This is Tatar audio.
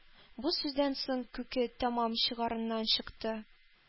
Бу сүздән соң Күке тәмам чыгарыннан чыкты.